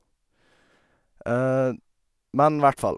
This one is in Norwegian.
Men hvert fall.